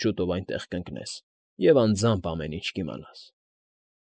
Շուտով այնտեղ կընկնես և անձամբ ամեն ինչ կիմանաս։